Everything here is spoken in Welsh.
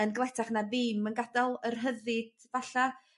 yn gletach na ddim yn gadal y rhyddid falla